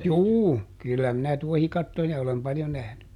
juu kyllä minä tuohikattoja olen paljon nähnyt